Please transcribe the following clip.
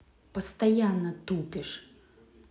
постоянно тупишь